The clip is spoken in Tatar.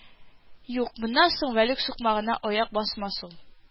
Юк, моннан соң Вәлүк сукмагына аяк басмас ул